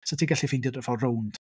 'Sa ti'n gallu ffeindio dy ffor' rownd.